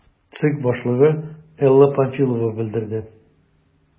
ЦИК башлыгы Элла Памфилова белдерде: